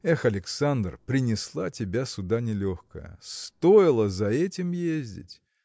Эх, Александр, принесла тебя сюда нелегкая! стоило за этим ездить!